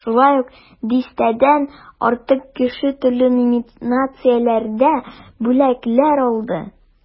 Шулай ук дистәдән артык кеше төрле номинацияләрдә бүләкләр алды.